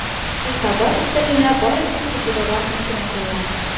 Илтабар өстәленә бары тик кыздырылган ит кенә куела.